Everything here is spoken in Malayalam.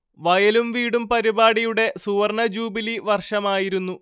വയലും വീടും പരിപാടിയുടെ സുവർണ്ണ ജൂബിലി വർഷമായിരുന്നു